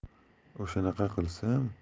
o'shanaqa qilsam